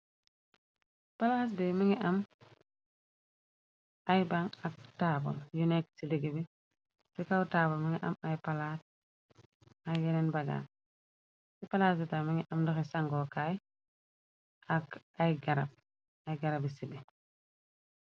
palaas buy mëngi am ay bang ak taabal yu nekk ci ligg bi ti kaw taabal ma nga am ay palaas ay yeneen bagaar ci palaas butay ma ngi am doxi sangokaay ay garab i sidi